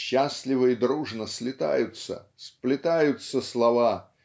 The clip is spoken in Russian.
счастливо и дружно слетаются сплетаются слова